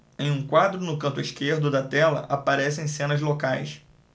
em um quadro no canto esquerdo da tela aparecem cenas locais